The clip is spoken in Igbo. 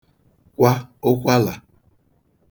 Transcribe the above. kwa ụkwalà